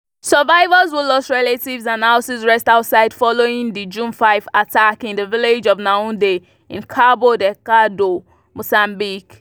Survivors who lost relatives and houses rest outside following the June 5 attack in the village of Naunde in Cabo Delgado, Mozambique.